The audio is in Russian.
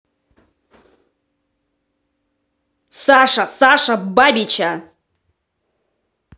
sasha sasha бабича